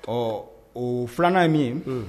Ɔ o filanan ye min ye